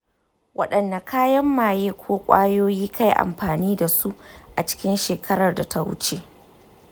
wadanne kayan maye ko kwayoyi ka yi amfani da su a cikin shekarar da ta wuce?